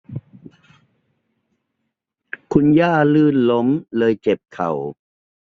คุณย่าลื่นล้มเลยเจ็บเข่า